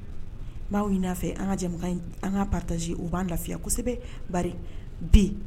Maaw n'a fɛ an ka an ka pataz o b'an lafiya kosɛbɛ ba